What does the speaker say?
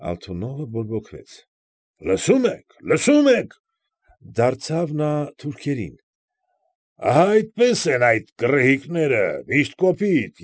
Ալթունովը բորբոքվեց։ ֊ Լսում ե՞ք, լսում ե՞ք,֊ դարձավ նա թուրքերեն,֊ ահա այդպես են այդ գռեհիկները, միշտ կոպիտ։